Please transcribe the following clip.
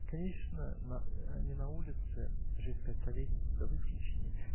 Конечно, не на улице же искать советников, да вы исключение.